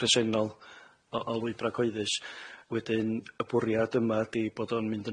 presennol o o lwybra' cyhoeddus wedyn y bwriad yma ydi bod o'n mynd